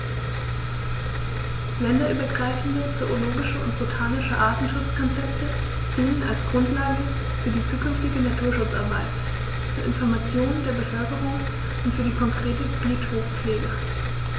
Länderübergreifende zoologische und botanische Artenschutzkonzepte dienen als Grundlage für die zukünftige Naturschutzarbeit, zur Information der Bevölkerung und für die konkrete Biotoppflege.